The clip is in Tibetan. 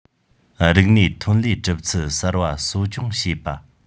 རིག གནས ཐོན ལས གྲུབ ཚུལ གསར པ གསོ སྐྱོང བྱེད པ